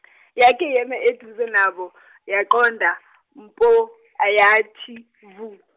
yake yeme eduze nabo yaqonda mpo ayathi vu.